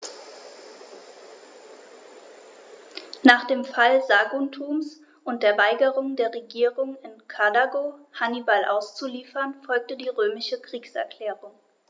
Nach dem Fall Saguntums und der Weigerung der Regierung in Karthago, Hannibal auszuliefern, folgte die römische Kriegserklärung.